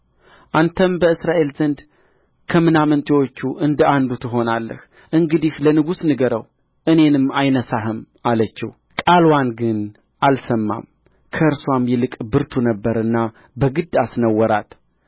አንተም በእስራኤል ዘንድ ከምናምንቴዎች እንደ አንዱ ትሆናለህ እንግዲህስ ለንጉሡ ንገረው እኔንም አይነሣህም አለችው ቃልዋን ግን አልሰማም ከእርስዋም ይልቅ ብርቱ ነበረና በግድ አስነወራት